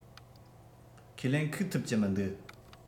ཁས ལེན ཁུག ཐུབ ཀྱི མི འདུག